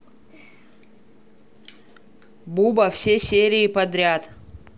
буба все серии подряд